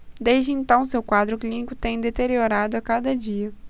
desde então seu quadro clínico tem deteriorado a cada dia